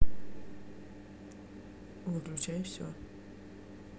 выключай все